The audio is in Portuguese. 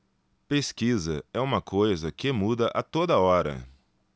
pesquisa é uma coisa que muda a toda hora